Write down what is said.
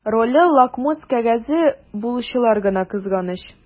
Роле лакмус кәгазе булучылар гына кызганыч.